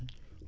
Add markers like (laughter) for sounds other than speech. (hesitation) (hesitation)